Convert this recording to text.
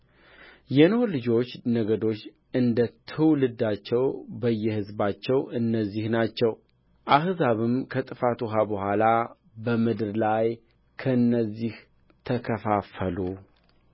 የኖኅ የልጆቹ ነገዶች እንደ ትውልዳቸው በየሕዝባቸው እነዚህ ናቸው አሕዛብም ከጥፋት ውኃ በኋላ በምድር ላይ ከእነዚህ ተከፋፈሉ